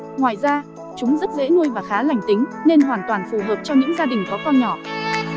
ngoài ra chúng rất dễ nuôi và khá lành tính nên hoàn toàn phù hợp cho những gia đình có con nhỏ